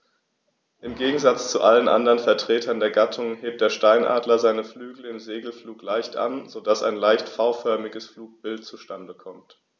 Im Gegensatz zu allen anderen Vertretern der Gattung hebt der Steinadler seine Flügel im Segelflug leicht an, so dass ein leicht V-förmiges Flugbild zustande kommt.